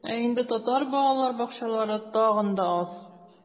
Ә инде татар балалар бакчалары тагын да аз.